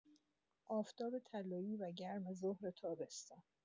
آفتاب طلایی و گرم ظهر تابستان